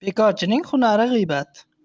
bekorchining hunari g'iybat